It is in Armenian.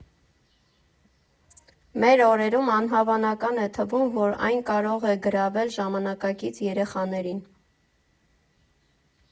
Մեր օրերում անհավանական է թվում, որ այն կարող է գրավել ժամանակակից երեխաներին։